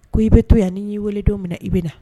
Ko i bɛ to yan n'i'i weele don minɛ i bɛ na